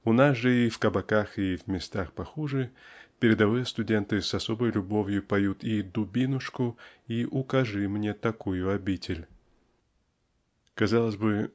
У нас же и в кабаках и в местах похуже передовые студенты с особой любовью поют и "Дубинушку" и "Укажи мне такую обитель". Казалось бы